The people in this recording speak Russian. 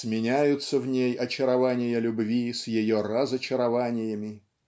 Сменяются в ней очарования любви с ее разочарованиями